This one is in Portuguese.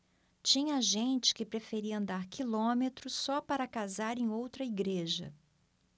tinha gente que preferia andar quilômetros só para casar em outra igreja